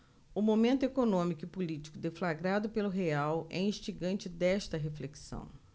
o momento econômico e político deflagrado pelo real é instigante desta reflexão